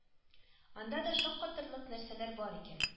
Анда да шаккатырлык нәрсәләр бар икән